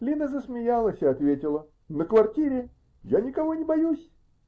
Лина засмеялась и ответила: -- На квартире. Я никого не боюсь.